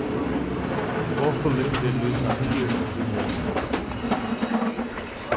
tokulyktir lýsa niður undir mjørkan